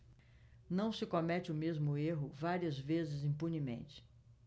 não se comete o mesmo erro várias vezes impunemente